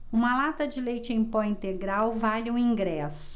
uma lata de leite em pó integral vale um ingresso